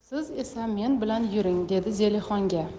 siz esa men bilan yuring dedi zelixonga